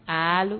Aa